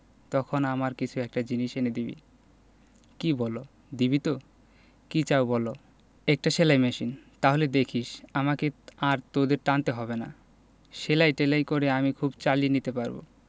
তখন আমার কিছু একটা জিনিস এনে দিবি কি বলো দিবি তো কি চাও বলো একটা সেলাই মেশিন তাহলে দেখিস আমাকে আর তোদের টানতে হবে না সেলাই টেলাই করে আমি খুব চালিয়ে নিতে পারব